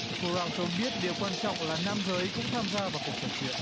cô rao cho biết điều quan trọng là nam giới cũng tham gia vào cuộc trò chuyện